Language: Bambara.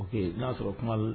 O que n' y'a sɔrɔ kuma